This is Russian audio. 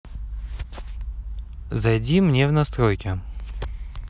зайди мне в настройки